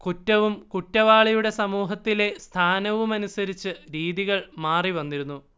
കുറ്റവും കുറ്റവാളിയുടെ സമൂഹത്തിലെ സ്ഥാനവുമനുസരിച്ച് രീതികൾ മാറി വന്നിരുന്നു